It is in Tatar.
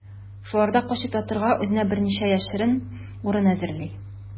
Шуларда качып ятарга үзенә берничә яшерен урын әзерли.